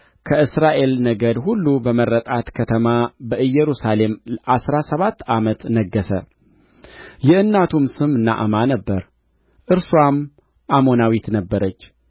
ከእስራኤል ነገድ ሁሉ በመረጣት ከተማ በኢየሩሳሌም አሥራ ሰባት ዓመት ነገሠ የእናቱም ስም ናዕማ ነበረ እርስዋም አሞናዊት ነበረች